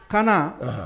Kana